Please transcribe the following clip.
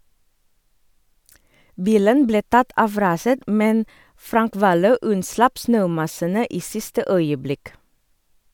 Bilen ble tatt av raset, men Frank Valø unnslapp snømassene i siste øyeblikk.